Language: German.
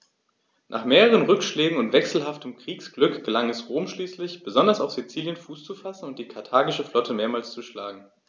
Nach mehreren Rückschlägen und wechselhaftem Kriegsglück gelang es Rom schließlich, besonders auf Sizilien Fuß zu fassen und die karthagische Flotte mehrmals zu schlagen.